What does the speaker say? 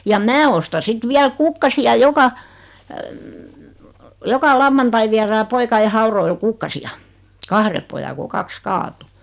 ja minä ostan sitten vielä kukkasia joka joka lauantai viedään poikien haudoille kukkasia kahden pojan kun kaksi kaatui